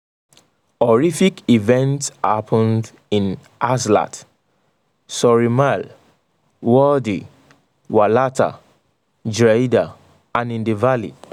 Horrific events happened in Azlatt, Sory Malé, Wothie, Walata, Jreida and in the valley.